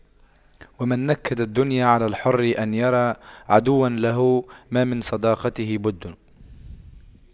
ومن نكد الدنيا على الحر أن يرى عدوا له ما من صداقته بد